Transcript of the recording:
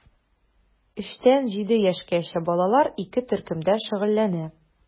3 тән 7 яшькәчә балалар ике төркемдә шөгыльләнә.